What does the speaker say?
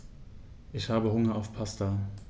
Ich habe Hunger auf Pasta.